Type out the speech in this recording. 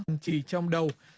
chỉ trong đầu